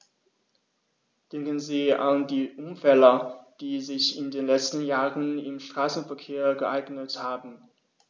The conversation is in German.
Denken Sie an die Unfälle, die sich in den letzten Jahren im Straßenverkehr ereignet haben.